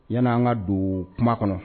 Yan an ka don kuma kɔnɔ